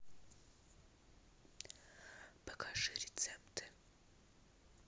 покажи рецепты